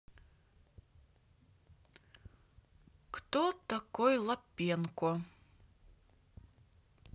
кто такой лапенко